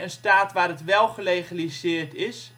staat waar het wel gelegaliseerd is